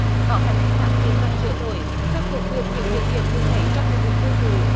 có khả năng phát hiệng và sửa đổi khắc phục được những nhược điểm thường thấy trong truyền hình tương tự